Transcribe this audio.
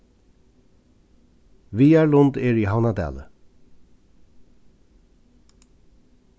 viðarlund er í havnardali